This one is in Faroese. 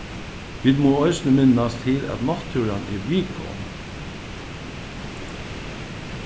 vit mugu eisini minnast til at náttúran er viðkvom